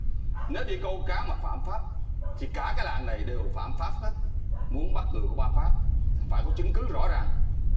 nếu đi câu cá mà phạm pháp thì cả cái làng này đều phạm pháp hết muốn bắt người của ba phát phải có chứng cứ rõ ràng